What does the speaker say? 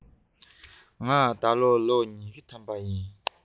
ང ད ལོ ལོ ཉི ཤུ ཐམ པ རེད